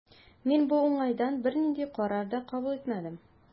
Мин бу уңайдан бернинди карар да кабул итмәдем.